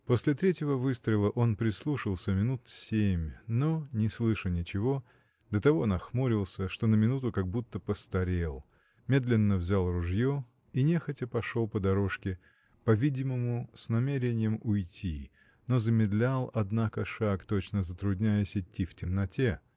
После третьего выстрела он прислушался минут семь, но не слыша ничего, до того нахмурился, что на минуту как будто постарел, медленно взял ружье и нехотя пошел по дорожке, по-видимому, с намерением уйти, но замедлял, однако, шаг, точно затрудняясь идти в темноте.